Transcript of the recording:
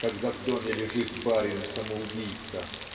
когда в доме лежит барин-самоубийца